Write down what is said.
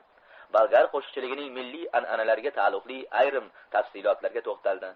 bolgar qo'shiqchiligining milliy an'analariga taalluqli ayrim tafsilotlarga to'xtal di